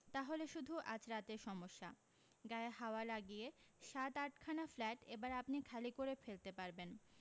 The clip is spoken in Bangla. তাহলে শুধু আজ রাতের সমস্যা গায়ে হাওয়া লাগিয়ে সাত আটখানা ফ্ল্যাট এবার আপনি খালি করে ফেলতে পারবেন